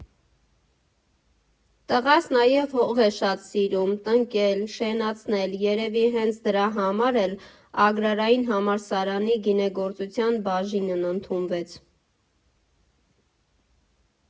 Տղաս նաև հող է շատ սիրում, տնկել, շենացնել, երևի հենց դրա համար էլ Ագրարային համալսարանի գինեգործության բաժինն ընդունվեց։